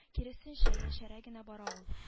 Киресенчә яшәрә генә бара ул